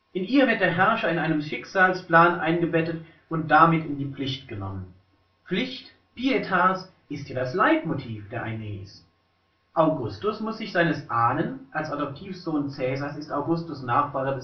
In ihr wird der Herrscher in einen Schicksalsplan eingebettet und damit in die Pflicht genommen; Pflicht, pietas, ist ja das Leitmotiv der Aeneis. Augustus muss sich seines Ahnen (als Adoptivsohn Caesars ist Augustus Nachfahre